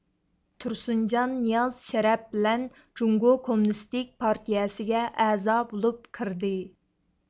تۇرسۇنجان نىياز شەرەپ بىلەن جۇڭگو كوممۇنىستىك پارتىيىسىگە ئەزا بولۇپ كىردى